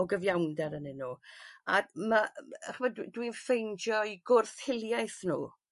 o gyfiawnder ynnyn nw ac ma' yy ch'mod d- dwi'n ffeindio'u gwrth hiliaeth nw